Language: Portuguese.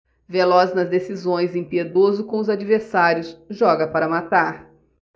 veloz nas decisões impiedoso com os adversários joga para matar